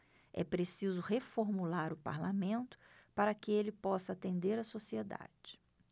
é preciso reformular o parlamento para que ele possa atender a sociedade